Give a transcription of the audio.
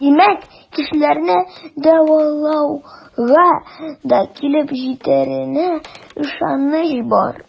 Димәк, кешеләрне дәвалауга да килеп җитәренә ышаныч бар.